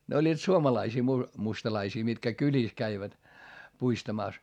ne olivat suomalaisia - mustalaisia mitkä kylissä kävivät puistamassa